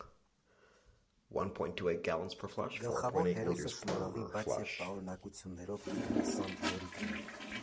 Գլխավոր հերոսը շնորհալի, բայց և տարօրինակություններով լի դերասան Լորիկն է։